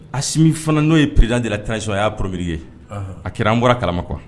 Asmi fana n'o ye pereddra tsi a y'a pbri ye a kira an bɔra kalama kuwa